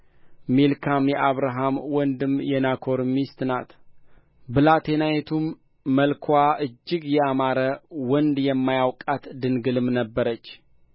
ሚልካም የአብርሃም ወንድም የናኮር ሚስት ናት ብላቴናይቱም መልክዋ እጅግ ያማረ ወንድ የማያውቃት ድንግልም ነበረች